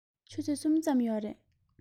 ཆུ ཚོད གསུམ ཙམ ཡོད རེད